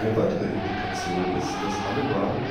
weitere Implikation ist, dass alle wahren